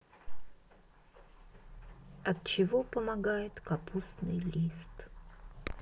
от чего помогает капустный лист